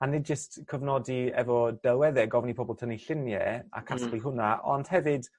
a ni jyst cofnodi efo delwedde gofyn i pobol tynnu llunie a casglu... Hmm. ...hwnna ond hefyd